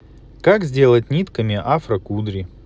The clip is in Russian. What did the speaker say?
как сделать нитками афро кудри